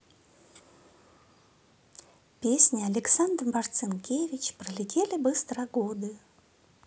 песня александр марцинкевич пролетели быстро годы